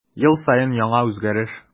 Ел саен яңа үзгәреш.